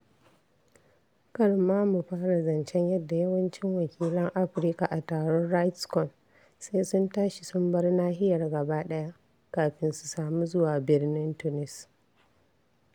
Kar ma mu fara zancen yadda yawancin wakilan Afirka a taron RightsCon sai sun tashi sun bar nahiyar gaba ɗaya, kafin su samu zuwa birnin Tunis.